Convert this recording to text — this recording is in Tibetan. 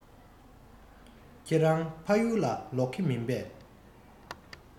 ཁྱེད རང ཕ ཡུལ ལ ལོག གི མིན པས